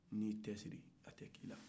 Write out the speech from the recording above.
n'i y' i cɛsɛri a tɛ k'i la